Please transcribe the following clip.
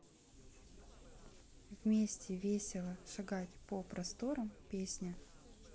вместе весело шагать по просторам песня